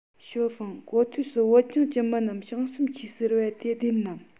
ཞའོ ཧྥུང གོ ཐོས སུ བོད ལྗོངས ཀྱི མི རྣམས བྱང སེམས ཆེ ཟེར བ དེ བདེན ནམ